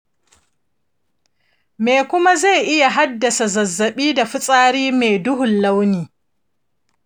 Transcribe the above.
me kuma zai iya haddasa zazzaɓi da fitsari mai duhun launi?